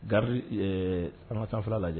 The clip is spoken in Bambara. Gari antara lajɛ